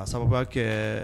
A sababu kɛ